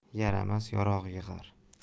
yaramas yarog' yig'ar